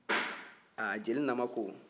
aa jeli nama ko